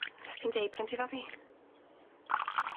Nes ti'm deud bo' gen ti fabi.